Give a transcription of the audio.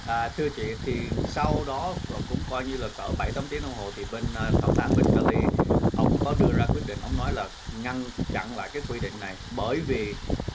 à thưa chị thì sau đó và cũng coi như là cỡ bảy tám tiếng đồng hồ thì bên thẩm phán bên ca ly ổng có đưa ra quyết định ông nói là ngăn chặn lại các quy định này bởi vì